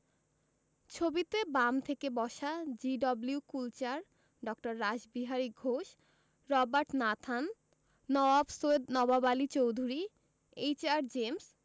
ছবিতে বাম থেকে বসা জি.ডব্লিউ. কুলচার ড. Rashbehari Ghosh Robert Nathan Nawab Syed Nawab Ali Chowdhury H R. James